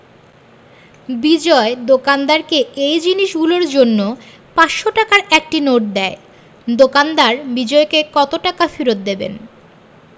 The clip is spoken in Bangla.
বিজয় দোকানদারকে এই জিনিসগুলোর জন্য ৫০০ টাকার একটি নোট দেয় দোকানদার বিজয়কে কত টাকা ফেরত দেবেন